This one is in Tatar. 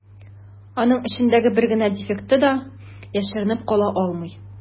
Аның эчендәге бер генә дефекты да яшеренеп кала алмый.